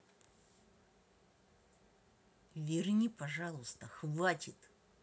верни пожалуйста хватит